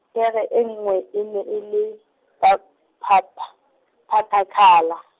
pere e nngwe ene ele , pha-, phata-, phathakalle.